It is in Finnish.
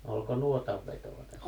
oliko nuotanvetoa tässä